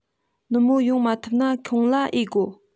ནུབ མོ ཡོང མ ཐུབ ན ཁང གླ ཨེ དགོ